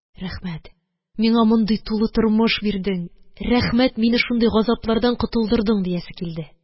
Рәхмәт, миңа мондый тулы тормыш бирдең. рәхмәт, мине шундый газаплардан котылдырдың» диясе килде